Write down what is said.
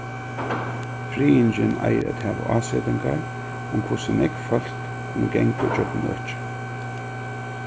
friðingin eigur at hava ásetingar um hvussu nógv fólk kunnu ganga ígjøgnum økið